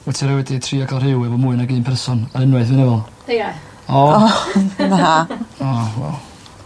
Wyt ti rioed 'di trio ca'l rhyw efo mwy nag un person? Ar unwaith fi'n meddwl. Ie. o! O na! O wel.